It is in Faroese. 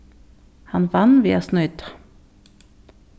hann vann við at snýta